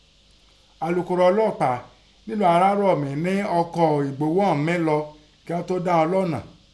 Alukoro ọlọ́pàá nẹ èlú Arárọ̀mí nẹ ọkọ̀ ìgbówó ọ̀ún mí lọ kíghọ́n tó dá ghọn lọ́nà.